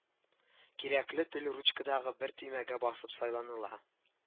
Кирәкле тел ручкадагы бер төймәгә басып сайланыла